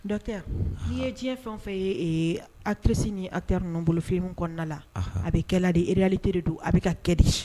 docteur i bɛ diɲɛ fɛn o fɛ ye actrice ni acteur ninnu bolo film kɔnɔna la, a bɛ kɛla de relité de don a bɛ kɛ de!